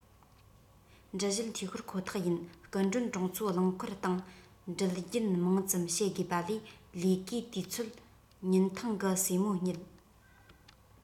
འགྲུལ བཞུད འཐུས ཤོར ཁོ ཐག ཡིན སྐུ མགྲོན གྲོང ཚོ རླངས འཁོར སྟེང འགྲུལ རྒྱུན མང ཙམ བྱེད དགོས པ ལས ལས ཀའི དུས ཚོད ཉིན ཐང གི སྲས མོ རྙེད